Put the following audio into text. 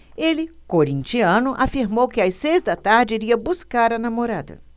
ele corintiano afirmou que às seis da tarde iria buscar a namorada